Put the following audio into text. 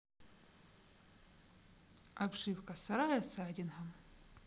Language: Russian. обшивка сарая сайдингом